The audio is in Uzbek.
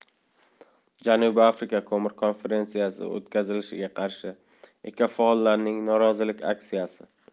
janubiy afrika ko'mir konferensiyasi o'tkazilishiga qarshi ekofaollarning norozilik aksiyasi